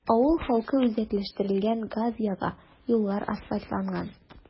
Авыл халкы үзәкләштерелгән газ яга, юллар асфальтланган.